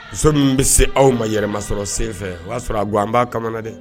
Muso min bɛ se aw ma yɛlɛmama sɔrɔ sen fɛ o y'a sɔrɔ a ko an' kamana dɛ